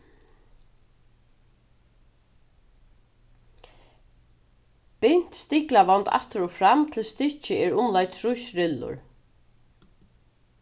bint stiklavond aftur og fram til stykkið er umleið trýss rillur